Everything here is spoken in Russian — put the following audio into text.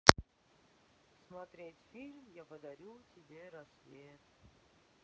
смотреть фильм я подарю тебе рассвет